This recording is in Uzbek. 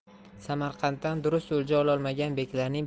samarqanddan durust o'lja ololmagan beklarning